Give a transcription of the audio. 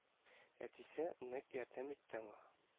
Әтисе нык ярдәм итте аңа